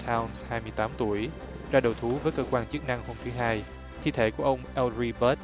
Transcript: thao hai mươi tám tuổi ra đầu thú với cơ quan chức năng hôm thứ hai thi thể của ông au ri bớt